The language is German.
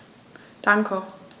Danke.